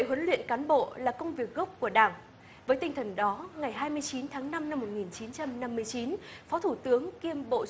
vậy huấn luyện cán bộ là công việc gốc của đảng với tinh thần đó ngày hai mươi chín tháng năm năm một nghìn chín trăm năm mươi chín phó thủ tướng kiêm bộ